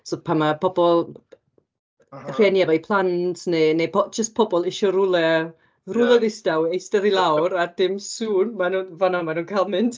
So pan ma' pobl, rhieni efo eu plant neu neu po- jyst pobl isio rwla rwla distaw i eistedd lawr a dim sŵn, maen nhw'n... fan'na ma' nhw'n cael mynd.